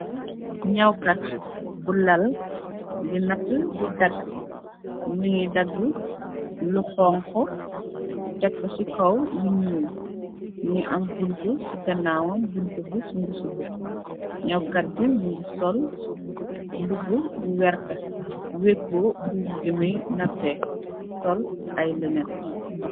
Ñaw kat bu lal di dagg di natt, mugii dagg lu xonxu tek ko si kaw lu ñuul. Mugii am buntu si ganaw wam buntu bu suguf si bukki. Ñaw kaw bi mugii sol mbubu bu werta, wééko buum yi mi natteh sol ay lonet.